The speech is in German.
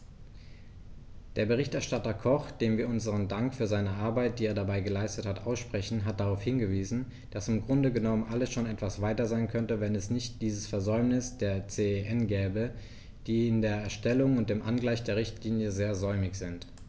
Der Berichterstatter Koch, dem wir unseren Dank für seine Arbeit, die er dabei geleistet hat, aussprechen, hat darauf hingewiesen, dass im Grunde genommen alles schon etwas weiter sein könnte, wenn es nicht dieses Versäumnis der CEN gäbe, die in der Erstellung und dem Angleichen der Richtlinie sehr säumig sind.